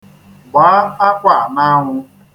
Gbaa akwa a n'anwụ.